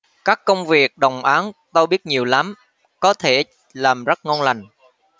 các công việc đồng áng tôi biết nhiều lắm có thể làm rất ngon lành